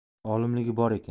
olimligi bor ekan